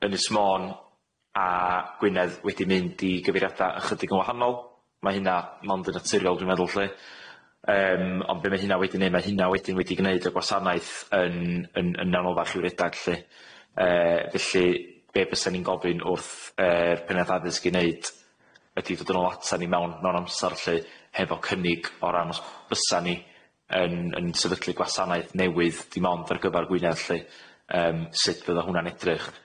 Ynys Môn a Gwynedd wedi mynd i gyfeiriada ychydig yn wahanol ma' hynna mond yn naturiol dwi'n meddwl lly yym ond be' ma' hynna wedi neud ma' hynna wedi'n wedi gneud y gwasanaeth yn yn yn anoddach i'w redag lly yy felly be bysan ni'n gofyn wrth yr pennaeth addysg i neud ydi dod yn o atan ni mewn mewn amsar lly hefo cynnig o ran os bysan ni yn yn sefydlu gwasanaeth newydd dim ond ar gyfar Gwynedd lly yym sut fydda hwnna'n edrych.